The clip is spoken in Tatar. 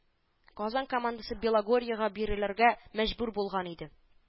Казан командасы “Белогорьега бирелергә мәҗбүр булган иде